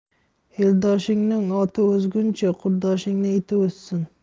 eldoshingning oti o'zguncha qurdoshingning iti o'zsin